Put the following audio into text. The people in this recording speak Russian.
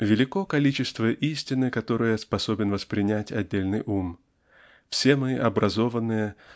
Велико количество истины, которое способен воспринять отдельный ум. Все мы образованные